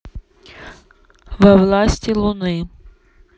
во власти луны